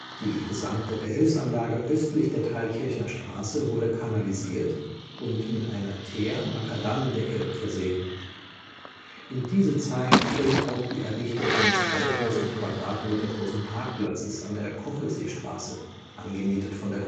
Die gesamte Behelfsanlage östlich der Thalkirchner Straße wurde kanalisiert und mit einer Teer-Makadam-Decke versehen. In diese Zeit fällt auch die Errichtung eines 3.000 Quadratmeter großen Parkplatzes an der Kochelseestraße (angemietet von der